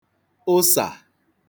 ụsà